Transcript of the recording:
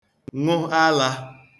ṅụ alā